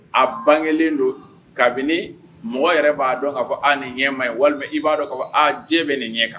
A bange kelen don kabini mɔgɔ yɛrɛ b'a dɔn k'a fɔ a ni ɲɛma ye walima i b'a dɔn jɛ bɛ nin ɲɛ kan